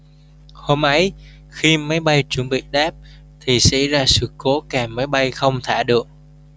hôm ấy khi máy bay chuẩn bị đáp thì xảy ra sự cố càng máy bay không thả được